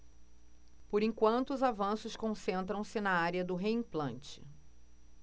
por enquanto os avanços concentram-se na área do reimplante